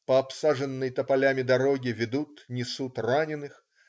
По обсаженной тополями дороге ведут, несут раненых.